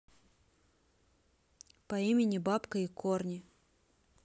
по имени бабка и корни